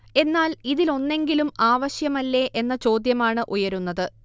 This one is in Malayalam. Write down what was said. എന്നാൽ ഇതിലൊന്നെങ്കിലും ആവശ്യമല്ലേ എന്ന ചോദ്യമാണ് ഉയരുന്നത്